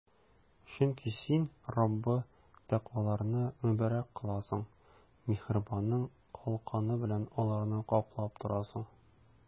Чөнки Син, Раббы, тәкъваларны мөбарәк кыласың, миһербаның калканы белән аларны каплап торасың.